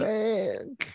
Deg!